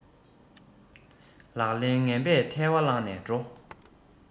ལག ལེན ངན པས ཐལ བ བསླངས ནས འགྲོ